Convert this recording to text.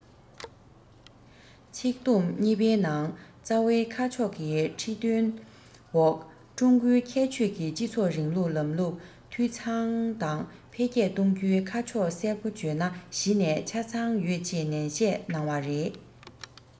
ཚིག དུམ གཉིས པའི ནང རྩ བའི ཁ ཕྱོགས ཀྱི ཁྲིད སྟོན འོག ཀྲུང གོའི ཁྱད ཆོས ཀྱི སྤྱི ཚོགས རིང ལུགས ལམ ལུགས འཐུས ཚང དང འཕེལ རྒྱས གཏོང རྒྱུའི ཁ ཕྱོགས གསལ པོ བརྗོད ན གཞི ནས ཆ ཚང ཡོད ཅེས ནན བཤད གནང བ རེད